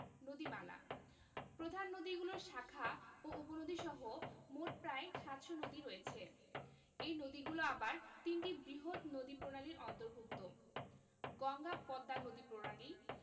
নদীমালাঃ প্রধান নদীগুলোর শাখা ও উপনদীসহ মোট প্রায় ৭০০ নদী রয়েছে এই নদীগুলো আবার তিনটি বৃহৎ নদীপ্রণালীর অন্তর্ভুক্ত গঙ্গা পদ্মা নদীপ্রণালী